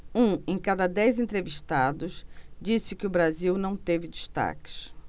um em cada dez entrevistados disse que o brasil não teve destaques